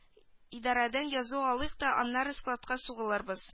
Идарәдән язу алыйк та аннары складка сугылырбыз